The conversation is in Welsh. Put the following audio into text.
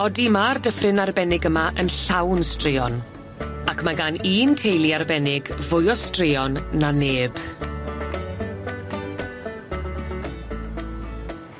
Odi ma'r dyffryn arbennig yma yn llawn straeon, ac ma' gan un teulu arbennig fwy o straeon na neb.